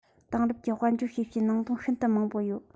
དེང རབས ཀྱི དཔལ འབྱོར ཤེས བྱར ནང དོན ཤིན ཏུ མང པོ ཡོད